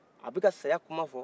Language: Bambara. a bi ka saya kuma fɔ